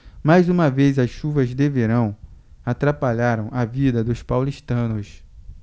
mais uma vez as chuvas de verão atrapalharam a vida dos paulistanos